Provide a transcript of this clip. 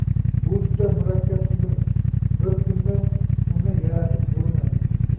bu juda murakkab tizim bir kunda uni yaratib bo'lmaydi